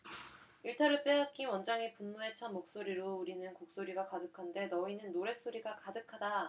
일타를 빼앗긴 원장이 분노에 찬 목소리로 우리는 곡소리가 가득한데 너희는 노랫소리가 가득하다